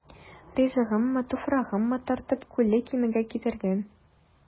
Ризыгыммы, туфрагыммы тартып, Күлле Кимегә китергән.